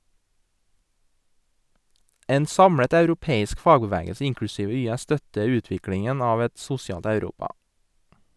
En samlet europeisk fagbevegelse, inklusive YS, støtter utviklingen av et sosialt Europa.